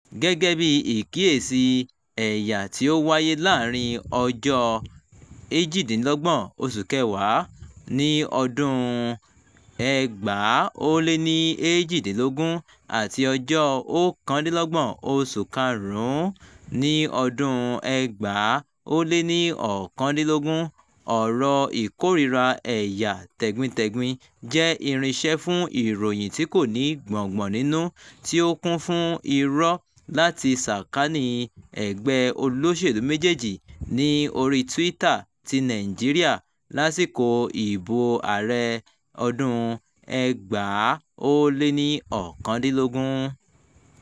Gẹ́gẹ́ bí ìkíyèsí ẹ̀yà tí ó wáyé láàárín ọjọ́ 28 oṣù kẹwàá, 2018, àti ọjọ́ 29, oṣù karùn-ún 2019, ọ̀rọ̀ ìkórìíra ẹ̀yà tẹ̀gbintẹ̀gbin jẹ́ irinṣẹ́ fún ìròyìn tí kò ní gbọ́ngbọ́n ń'nú tí ó kún fún irọ́ láti sàkání ẹgbẹ́ olóṣèlú méjèèjì ní oríi Twitter ti Nàìjíríà lásìkò ìbò ààrẹ 2019.